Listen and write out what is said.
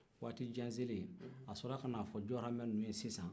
waati jan selen a sɔrɔ la k'a fɔ jawɔrɔmɛ ninnu ye sisan